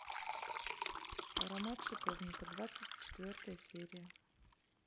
аромат шиповника двадцать четвертая серия